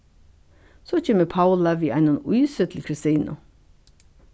so kemur paula við einum ísi til kristinu